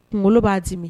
Kunkolo b'a dimi